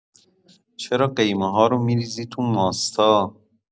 چرا قیمه‌ها رو می‌ریزی تو ماستا؟